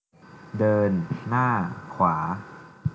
เดินหน้าขวา